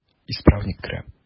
Исправник керә.